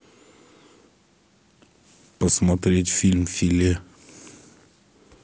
посмотреть фильм филе